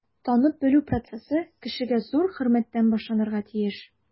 Танып-белү процессы кешегә зур хөрмәттән башланырга тиеш.